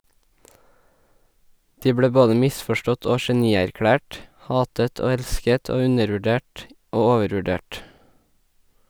De ble både misforstått og genierklært , hatet og elsket, og undervurdert og overvurdert.